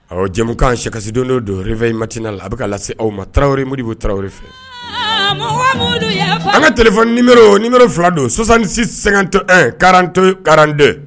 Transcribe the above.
Ɔ jamumukanan sikasidon dɔw don p in matiina la a bɛ lase se aw ma tarawelerawre moriribu tarawele fɛ an ka nib fila don sɔsan nisi sɛgɛnto kato karante